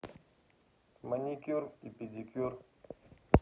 маникюр и педикюр